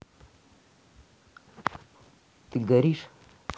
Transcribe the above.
ты горишь